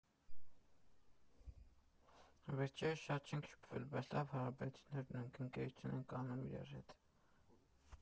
Վերջերս շատ չենք շփվել, բայց լավ հարաբերություններ ունենք, ընկերություն ենք անում իրար հետ։